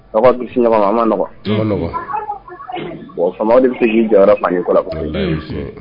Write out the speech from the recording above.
Aw ka bi sunɔma a ma nɔgɔ unhun a ma nɔgɔ bon famaw de bi se k'i jɔyɔrɔ fa nin ko la quoi unhun walahi o tiɲɛ ye